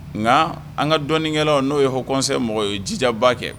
Nka an ka dɔɔninikɛlaw n'o yeɔɔnkisɛmɔgɔ ye jijaba kɛ